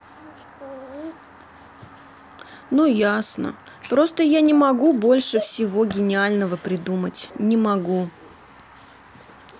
ну ясно просто я не могу больше всего гениального придумать не могу